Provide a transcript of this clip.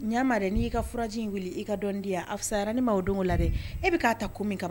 Ɲa n ma dɛ n'i y'i ka furaji in wuli i ka dɔni di ya afusaya la ne ma o dongo la dɛ e bɛ ka ta kun min kama